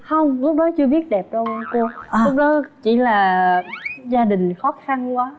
không lúc đó chưa biết đẹp đâu cô à lúc đó chỉ là gia đình khó khăn quá